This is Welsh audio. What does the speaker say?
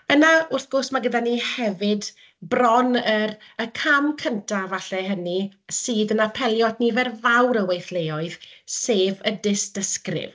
yna wrth gwrs mae gyda ni hefyd, bron yr y cam cyntaf falle hynny sydd yn apelio at nifer fawr o weithleoedd, sef y dystysgrif.